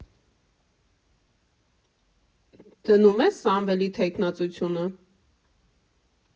Դնում ե՞ս Սամվելի թեկնածությունը։